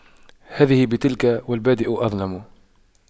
هذه بتلك والبادئ أظلم